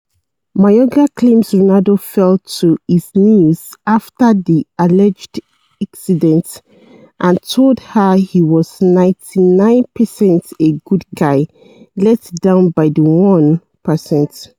Mayorga claims Ronaldo fell to his knees after the alleged incident and told her he was "99 percent" a "good guy" let down by the "one percent."